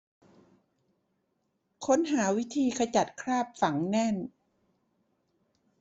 ค้นหาวิธีขจัดคราบฝังแน่น